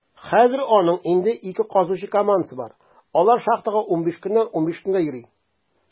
Хәзер аның инде ике казучы командасы бар; алар шахтага 15 көннән 15 көнгә йөри.